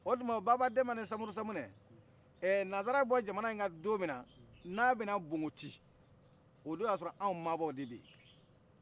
o tuma o baba denba ni samuru samunɛ ɛ nazara bɛ bɔ jamana in ka domina n'a bɛ na bonboti o don ya sɔrɔ anw mabɔ de beyi